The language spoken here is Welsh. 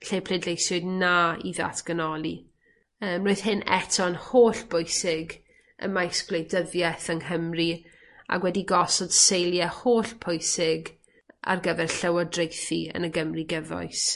Lle pleidleisiwyd na i ddatganoli yym roedd hyn eto'n hollbwysig ym maes gwleidyddieth yng Nghymru ac wedi gosod seilie hollpwysig ar gyfer llywodraethu yn y Gymru gyfoes.